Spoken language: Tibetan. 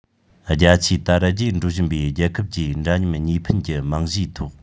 རྒྱ ཆེའི དར རྒྱས འགྲོ བཞིན པའི རྒྱལ ཁབ ཀྱིས འདྲ མཉམ གཉིས ཕན གྱི རྨང གཞིའི ཐོག